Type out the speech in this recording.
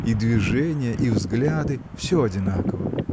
И движения, и взгляды – все одинаково